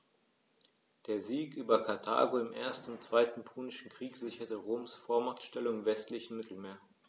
Der Sieg über Karthago im 1. und 2. Punischen Krieg sicherte Roms Vormachtstellung im westlichen Mittelmeer.